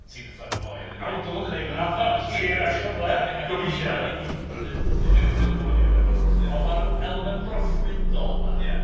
Ti'n uffern o foi... Awdl nid englyn. A wnei di brynu... wnei di roi pryd o fwyd i fi neu rywbeth ond mae'r elfen broffwydol 'ma.